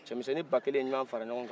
cɛmisɛnnin ba kelen ye ɲɔgɔn fara ɲɔgɔn kan